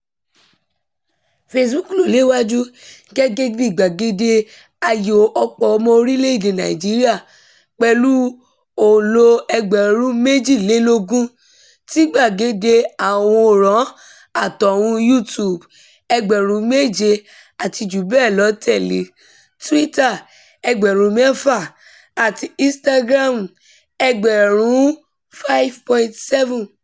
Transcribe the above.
Facebook ló léwájú gẹ́gẹ́ bí i gbàgede ààyò ọ̀pọ̀ ọmọ orílẹ̀-èdèe Nàìjíríà pẹ̀lú òǹlò ẹgbẹẹgbẹ̀rún 22, tí gbàgede àwòrán-àtohùn YouTube (ẹgbẹẹgbẹ̀rún 7 àti jù bẹ́ẹ̀ lọ) tẹ̀lé e, Twitter (ẹgbẹẹgbẹ̀rún 6) àti Instagram (ẹgbẹẹgbẹ̀rún 5.7).